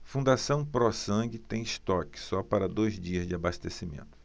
fundação pró sangue tem estoque só para dois dias de abastecimento